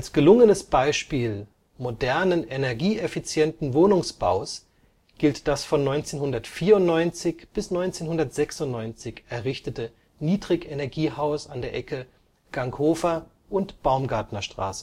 gelungenes Beispiel modernen, energieeffizienten Wohnungsbaus gilt das von 1994 bis 1996 errichtete Niedrigenergiehaus an der Ecke Ganghofer - und Baumgartnerstraße